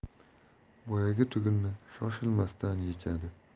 boyagi tugunni shoshilmasdan yechadi